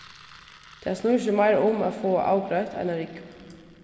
tað snýr seg meira um at fáa avgreitt eina rúgvu